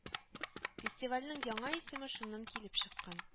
Фестивальнең яңа исеме шуннан килеп чыккан